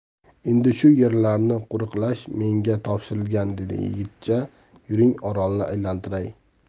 endi shu yerlarni qo'riqlash menga topshirilgan dedi yigitcha yuring orolni aylantiray